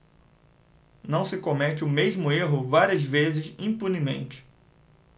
não se comete o mesmo erro várias vezes impunemente